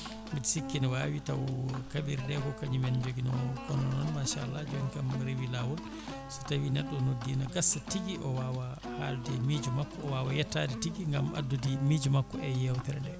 mbiɗe sikki ne wawi taw kaɓirɗeɗe ko kañumen jooguino kono noon machallah joni kam reewi lawol so tawi neɗɗo o noddi ne gaasa tigui o wawa halde miijo makko o wawa yettade tigui gaam addude miijo makko e yewtere nde